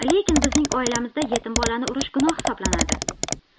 lekin bizning oilamizda yetim bolani urish gunoh hisoblanardi